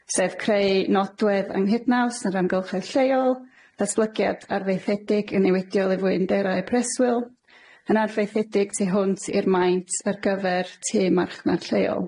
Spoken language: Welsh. sef creu nodwedd anghydnaws yn yr amgylchedd lleol, datblygiad arfaethedig yn niweidiol i fwynderau preswyl, yn arfaethedig tu hwnt i'r maint ar gyfer tŷ marchnad lleol.